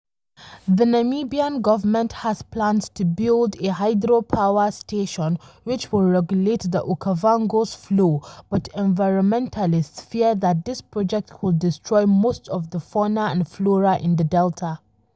The Namibian government has plans to build a hydropower station which would regulate the Okavango's flow, but environmentalists fear that this project could destroy most of the fauna and flora in the Delta.